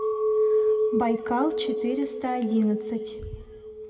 байкал четыреста одиннадцать